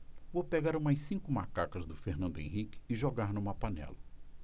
vou pegar umas cinco macacas do fernando henrique e jogar numa panela